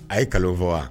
A ye nkalon fɔ wa